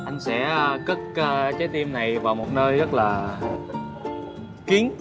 anh sẽ cất ơ trái tim này vào một nơi rất là kín